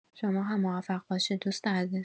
شما هم موفق باشید دوست عزیز